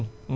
ok